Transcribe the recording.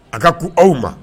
A ka ko aw ma